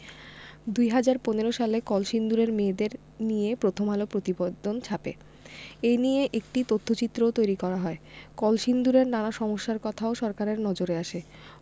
২০১৫ সালে কলসিন্দুরের মেয়েদের নিয়ে প্রথম আলো প্রতিবেদন ছাপে এ নিয়ে একটি তথ্যচিত্রও তৈরি করা হয় কলসিন্দুরের নানা সমস্যার কথাও সরকারের নজরে আসে